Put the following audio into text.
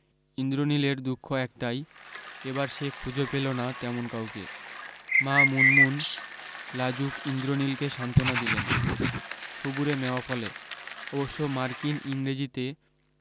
ইন্দ্রনীলের দুখ একটাই এবার সে খুঁজে পেল না তেমন কাউকে মা মুনমুন লাজুক ইন্দ্রনীলকে সান্ত্বনা দিলেন সবুরে মেওয়া ফলে অবশ্য মার্কিন ইংরাজিতে